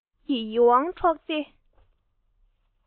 རྣམ འགྱུར གྱིས ཡིད དབང འཕྲོག སྟེ